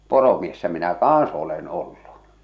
poromiehenä minä kanssa olen ollut